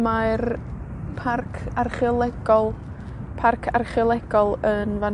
mae'r parc archeolegol, parc archeolegol yn fan